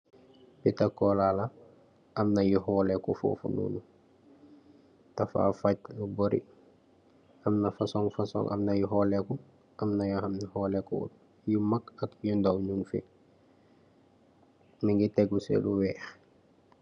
Bitter coala la, amna yu holeeku fofu nonu, dafaa fach lu bori, amna fashion fashion, amna yu holeeku, amna yo hamne holeekuwut, yu mak ak yu ndaw nyungfi, nyungi tegu si lu weekh.